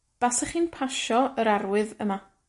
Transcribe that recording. basech chi'n pasio yr arwydd yma.